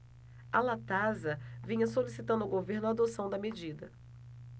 a latasa vinha solicitando ao governo a adoção da medida